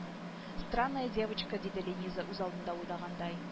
Странная девочка диде лениза үзалдына уйлангандай